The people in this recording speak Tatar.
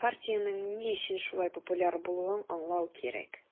Хартиянең ни өчен шулай популяр булуын аңлау кирәк.